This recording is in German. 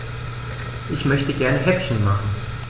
Ich möchte gerne Häppchen machen.